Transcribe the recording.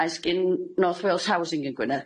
Faint sgin North Wales Housing yn Gwynedd?